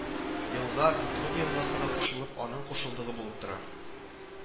Елга Ветлуга елгасына кушылып, аның кушылдыгы булып тора